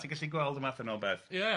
ti'n gallu gweld y math yna o beth... Ia ia.